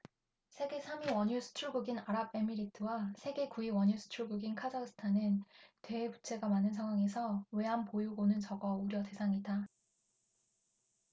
세계 삼 위 원유수출국인 아랍에미리트와 세계 구 위 원유수출국인 카자흐스탄은 대외부채가 많은 상황에서 외환보유고는 적어 우려대상이다